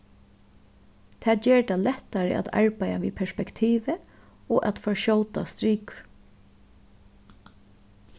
tað ger tað lættari at arbeiða við perspektivi og at forskjóta strikur